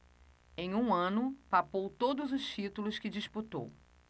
em um ano papou todos os títulos que disputou